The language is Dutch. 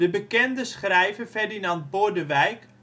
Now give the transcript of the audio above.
bekende schrijver Ferdinand Bordewijk